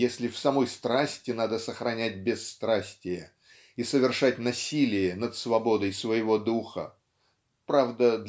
если в самой страсти надо сохранять бесстрастие и совершать насилие над свободой своего духа -- правда